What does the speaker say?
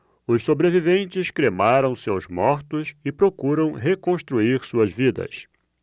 os sobreviventes cremaram seus mortos e procuram reconstruir suas vidas